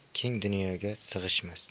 keng dunyoga siyg'ishmas